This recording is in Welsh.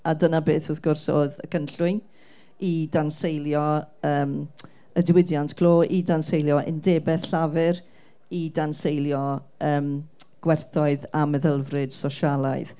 A dyna beth, wrth gwrs, oedd y cynllwyn i danseilio yym y diwydiant glo, i danseilio undebau llafur, i danseilio yym gwerthoedd a meddylfryd sosialaidd.